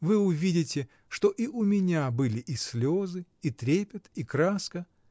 Вы увидите, что и у меня были и слезы, и трепет, и краска.